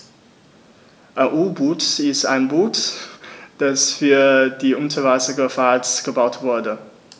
Ein U-Boot ist ein Boot, das für die Unterwasserfahrt gebaut wurde.